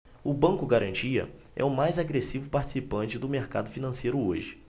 o banco garantia é o mais agressivo participante do mercado financeiro hoje